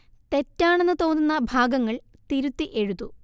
തെറ്റാണെന്ന് തോന്നുന്ന ഭാഗങ്ങൾ തിരുത്തി എഴുതൂ